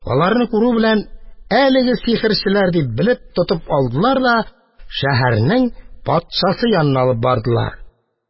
Аларны күрү белән, әлеге сихерчеләр дип белеп тотып алдылар да шәһәрнең патшасы янына алып бардылар.